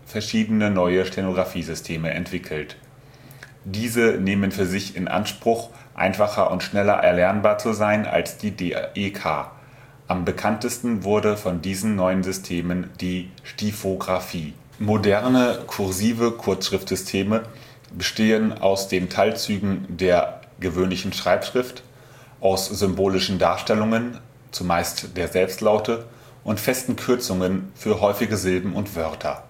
verschiedene neue Stenografiesysteme entwickelt. Diese nehmen für sich in Anspruch, einfacher und schneller erlernbar zu sein als die DEK. Am bekanntesten wurde von diesen neuen Systemen die Stiefografie. Moderne kursive Kurzschriftsysteme bestehen aus den Teilzügen der gewöhnlichen Schreibschrift, aus symbolischen Darstellungen – zumeist der Selbstlaute – und festen Kürzungen für häufige Silben und Wörter